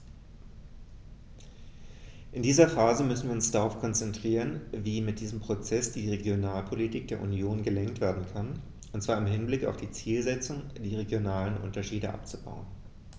In dieser Phase müssen wir uns darauf konzentrieren, wie mit diesem Prozess die Regionalpolitik der Union gelenkt werden kann, und zwar im Hinblick auf die Zielsetzung, die regionalen Unterschiede abzubauen.